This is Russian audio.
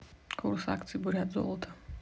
курс акций бурят золото